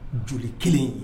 Joli kelen